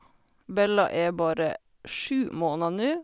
Bella er bare sju måneder nu.